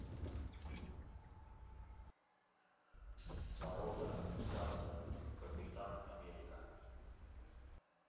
порода сандер капитан америка